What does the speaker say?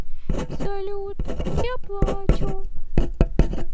салют я плачу